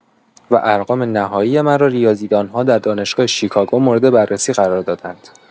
و ارقام نهایی مرا ریاضیدان‌ها در دانشگاه شیکاگو مورد بررسی قرار دادند.